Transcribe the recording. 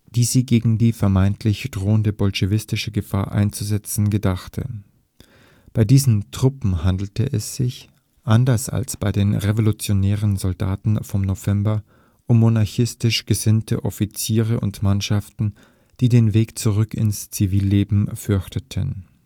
die sie gegen die vermeintlich drohende bolschewistische Gefahr einzusetzen gedachte. Bei diesen Truppen handelte es sich – anders als bei den revolutionären Soldaten vom November – um monarchistisch gesinnte Offiziere und Mannschaften, die den Weg zurück ins Zivilleben fürchteten